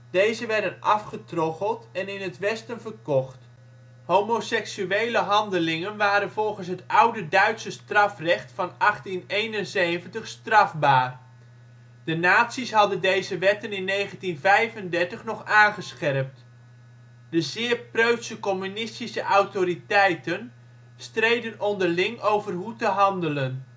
Deze werden afgetroggeld en in het Westen verkocht. Homoseksuele handelingen waren volgens het oude Duitse strafrecht van 1871 strafbaar. De Nazi 's hadden deze wetten in 1935 nog aangescherpt. De zeer preutse communistische autoriteiten streden onderling over hoe te handelen